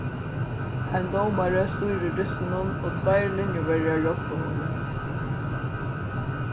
ein dómari stýrir dystinum og tveir linjuverjar hjálpa honum